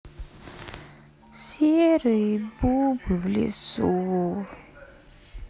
серые бубы в лесу